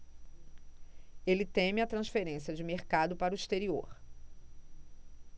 ele teme a transferência de mercado para o exterior